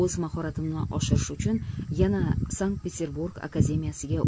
o'z mahoratimni oshirish uchun yana sankt peterburg akademiyasiga